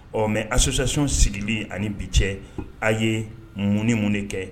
Ɔ association sigilen ani bi cɛ, a ye mun ni mun de kɛ?